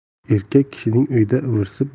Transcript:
erkak kishining uyda ivirsib